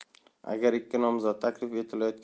agar ikki nomzod taklif etilayotgan